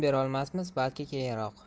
berolmasmiz balki keyinroq